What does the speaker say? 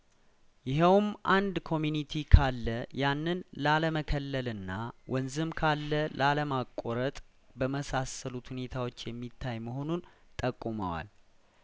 ይኸውም አንድ ኮሚኒቲ ካለያንን ላለመከለልና ወንዝም ካለላለማቁረጥ በመሳሰሉ ሁኔታዎች የሚታይ መሆኑን ጠቁመዋል